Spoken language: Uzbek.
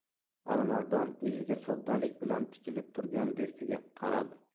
alimardon o'ziga soddalik bilan tikilib turgan do'stiga qaradi